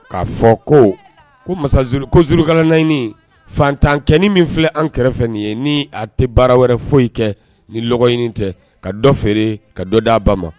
K'a fɔ ko ko masa Zul ko zulukalanayini , fatankɛni min filɛ an kɛrɛfɛ ni ye , ni a tɛ baara wɛrɛ foyi kɛ ,ni dɔgɔnɲini tɛ, ka dɔ fere, ka dɔ d'a ba ma.